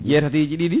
jeetatiji ɗiɗi